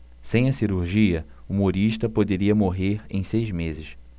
sem a cirurgia humorista poderia morrer em seis meses